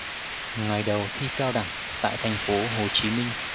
ngày đầu thi cao đẳng tại thành phố hồ chí minh